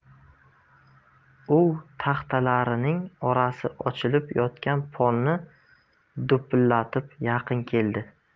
u taxtalarining orasi ochilib yotgan polni do'pillatib yaqin keldi